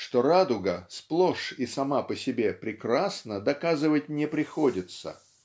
Что радуга сплошь и сама по себе прекрасна, доказывать не приходится